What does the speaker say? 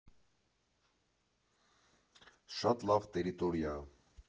Շատ լավ տերիտորիա ա։